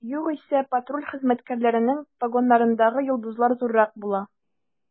Югыйсә, патруль хезмәткәрләренең погоннарындагы йолдызлар зуррак була.